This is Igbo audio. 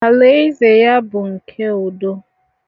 Alàezè ya bụ nke udo.